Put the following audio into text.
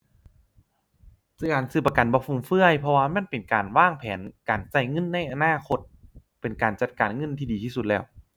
ซื้อ อั่น ซื้อประกันบ่ฟุ่มเฟือย เพราะว่ามันเป็นการวางแผนการใช้เงินในอนาตค เป็นการจัดการเงินที่ดีที่สุดแล้ว